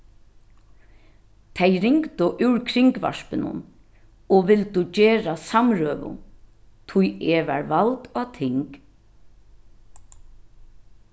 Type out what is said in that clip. tey ringdu úr kringvarpinum og vildu gera samrøðu tí eg varð vald á ting